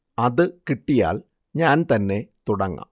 അത് കിട്ടിയാൽ ഞാൻ തന്നെ തുടങ്ങാം